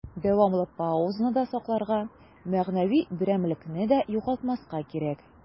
Дәвамлы паузаны да сакларга, мәгънәви берәмлекне дә югалтмаска кирәк.